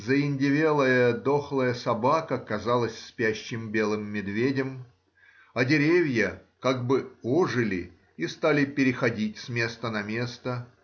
заиндевелая дохлая собака казалась спящим белым медведем, а деревья как бы ожили и стали переходить с места на место.